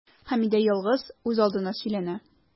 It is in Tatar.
Хәмидә ялгыз, үзалдына сөйләнә.